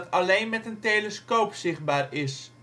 alleen met een telescoop zichtbaar is